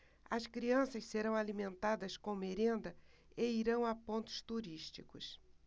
as crianças serão alimentadas com merenda e irão a pontos turísticos